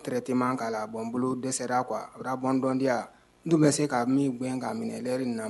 Ntɛretɛma k'a la bɔ bolo dɛsɛra qu a' bɔndɔdi n bɛ se ka min gɛn ka minɛ ri na